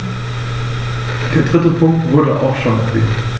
Der dritte Punkt wurde auch schon erwähnt.